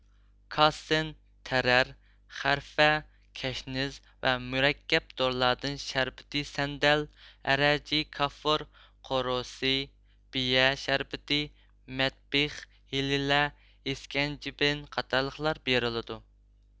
كاسىن تەررەر خەرفە كەشنىز ۋە مۇرەككەپ دورىلاردىن شەربىتى سەندەل ئەرەجى كافۇر قورسى بىيە شەربىتى مەتبىخ ھېلىلە ئىسكەنجىبىن قاتارلىقلار بېرىلىدۇ